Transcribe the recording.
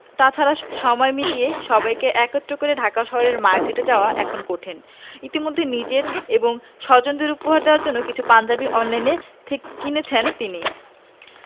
তা ছাড়া সময় মিলিয়ে সবাইকে একত্র করে ঢাকা শহরের মার্কেটে যাওয়া এখন কঠিন ইতিমধ্যে নিজের এবং স্বজনদের উপহার দেওয়ার জন্য কিছু পাঞ্জাবি অনলাইনে থেক কিনেছেন তিনি